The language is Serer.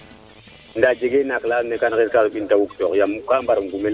nda jega naak la ando naye kam xes ka soɓin te wuktoox yaam ka mbaro ngimel